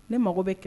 Ne mago bɛ